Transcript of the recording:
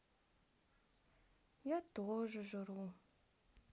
я тоже жру